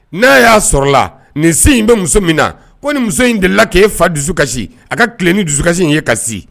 N'a y'a sɔrɔ la nin se in bɛ muso min na ko ni muso in delila k'e fa dusu kasi a ka tilen ni dusukasi in ye kasi